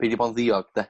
peidio bo'n ddiog de?